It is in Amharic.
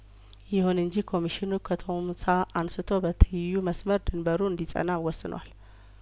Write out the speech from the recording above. ይሁን እንጂ ኮሚሽኑ ከቶምሳ አንስቶ በትይዩ መስመር ድንበሩ እንዲ ጸና ወስ ኗል